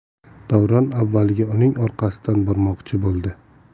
davron avvaliga uning orqasidan bormoqchi bo'ldi